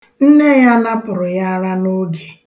Nne ya napụrụ ya ara n'oge